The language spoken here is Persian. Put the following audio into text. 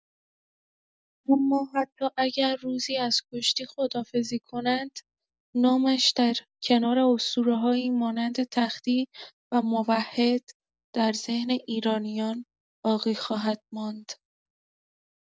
اما حتی اگر روزی از کشتی خداحافظی کند، نامش در کنار اسطوره‌هایی مانند تختی و موحد در ذهن ایرانیان باقی خواهد ماند.